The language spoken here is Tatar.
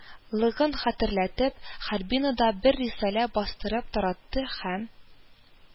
Лыгын хатерләтеп, харбинда бер рисалә бастырып таратты һәм